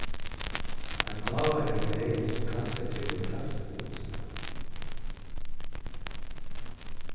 ein gáva er ein gleði sum kanska gevur kraftigt útslag